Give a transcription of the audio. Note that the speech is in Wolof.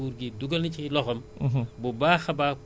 vraiment jafe-jafe yi gën dana gën tar